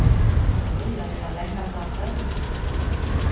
familjan er av langasandi